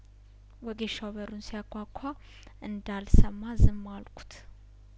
ወጌሻው በሩን ሲያንኳኳ እንዳል ሰማ ዝም አልኩት